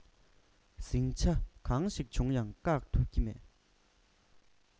ཟིང ཆ གང ཞིག བྱུང ཡང བཀག ཐུབ ཀྱི མེད